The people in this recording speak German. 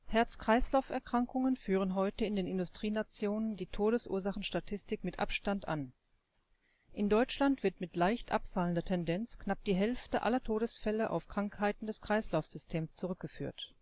Herz-Kreislauf-Erkrankungen führen heute in den Industrienationen die Todesursachenstatistik mit Abstand an. In Deutschland wird mit leicht abfallender Tendenz knapp die Hälfte aller Todesfälle auf Krankheiten des Kreislaufsystems zurückgeführt